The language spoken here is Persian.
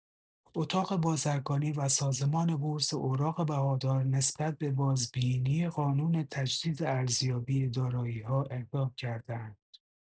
اتاق بازرگانی و سازمان بورس اوراق بهادار نسبت به بازبینی قانون تجدید ارزیابی دارایی‌ها اقدام کرده‌اند.